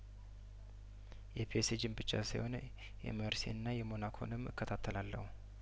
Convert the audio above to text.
የፒኤስጂን ብቻ ሳይሆን የሜርሴይና የሞናኮንም እከታተላለሁ